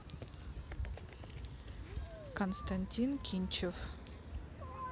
константин кинчев